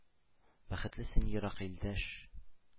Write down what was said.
Бәхетле син, ерак илдәш,